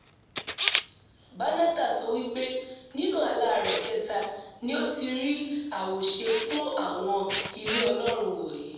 Banatah sọ wípé nínú àláa rẹ̀ kẹ́ta ni ó ti rí àwòṣe fún àwọn ilé Ọlọ́run wọ̀nyí.